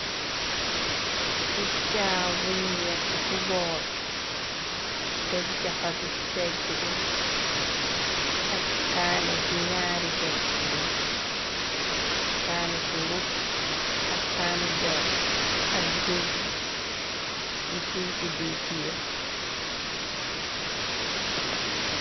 Kuchaa buñu yekk ci bowl, teg jaxatu ci péggi bi ak kaané ci naari péggyi. Kaané su nguf ak kaané doom, ak gegii. Nu suy ci diw tiir.